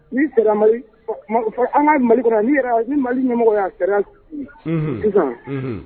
Ni charia Mali bon mago fɔ an ŋa Mali kɔnɔ yan n'i yɛrɛ y'a y ni Mali ɲɛmɔgɔw y'a _ charia sigi unhun sisan unhun